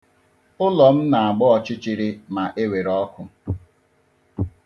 Ụlọ m na-agba ọchịchịrị ma ewere ọkụ.